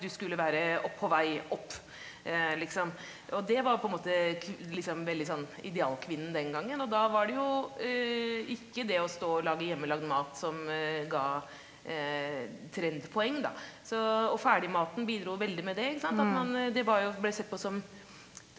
du skulle være opp på vei opp liksom, og det var på en måte liksom veldig sånn idealkvinnen den gangen, og da var det jo ikke det å stå å lage hjemmelagd mat som ga trendpoeng da, så og ferdigmaten bidro veldig med det ikke sant at man det var jo ble sett på som.